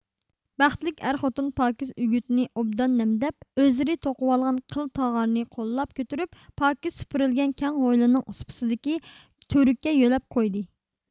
بەختلىك ئەر خوتۇن پاكىز ئۈگۈتنى ئوبدان نەمدەپ ئۆزلىرى توقۇۋالغان قىل تاغارنى قوللاپ كۆتۈرۈپ پاكىز سۈپۈرۈلگەن كەڭ ھويلىنىڭ سۇپىسىدىكى تۈۋرۈككە يۆلەپ قويدى